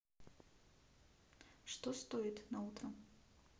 что стоит на утро